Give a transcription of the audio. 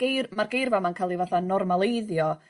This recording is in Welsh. Geir- ma'r geirfa ma'n ca'l 'i fatha normaleiddio neu...